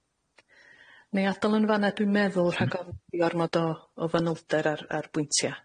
Ni adal yn fan'na dwi'n meddwl, rhag of- i ormod o o fanylder ar ar bwyntia.